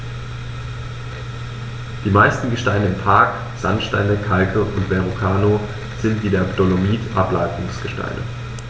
Die meisten Gesteine im Park – Sandsteine, Kalke und Verrucano – sind wie der Dolomit Ablagerungsgesteine.